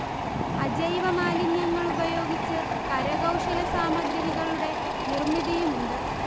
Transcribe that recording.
അജൈവ മാലിന്യങ്ങൾ ഉപയോഗിച്ച് കരകൗശല സാമഗ്രഹികളുടെ നിർമിതിയുമുണ്ട്